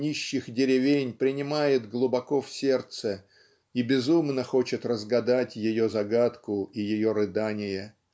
нищих деревень принимает глубоко в сердце и безумно хочет разгадать ее загадку и ее рыдание